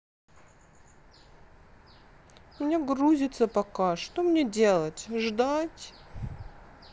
у меня грузится пока что мне делать ждать